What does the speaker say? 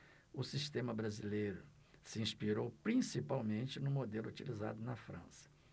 o sistema brasileiro se inspirou principalmente no modelo utilizado na frança